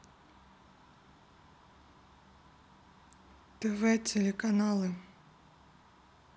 тв телеканалы